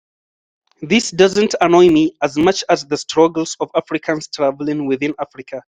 This doesn't annoy me as much as the struggles of Africans travelling within Africa.